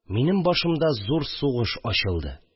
Минем башымда зур сугыш ачылды